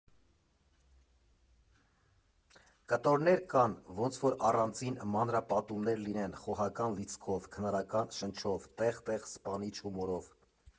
Կտորներ կան, ոնց որ առանձին մանրապատումներ լինեն՝ խոհական լիցքով, քնարական շնչով, տեղ֊տեղ սպանիչ հումորով։